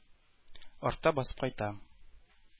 Артта басып кайта.